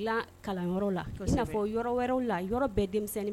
Yɔrɔ yɔrɔ